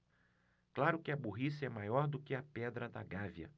claro que a burrice é maior do que a pedra da gávea